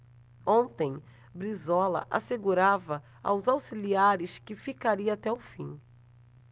ontem brizola assegurava aos auxiliares que ficaria até o fim